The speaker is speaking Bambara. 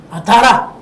A taara